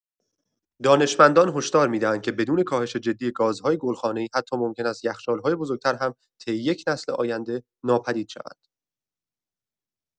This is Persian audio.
دانشمندان هشدار می‌دهند که بدون کاهش جدی گازهای گلخانه‌ای حتی ممکن است یخچال‌های بزرگتر هم طی یک نسل آینده ناپدید شوند.